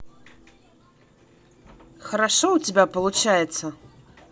хорошо у тебя получится